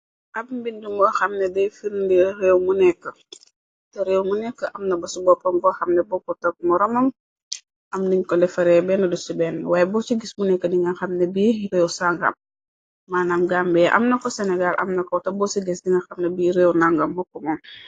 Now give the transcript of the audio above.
Ab mbindu mo xamne dey firndi réew munekk. Te réew mënekk amna basu boppam. Bo xamne bopp topp moramam am diñ ko defaree benn lus ci benn waaye bo ci gis mu nekk di nga xamne bi réew sangra. Manaam gambee amna ko senegaal amna ko. Te bo ci ges dinga xamne bi réew ndangam mokkomoo.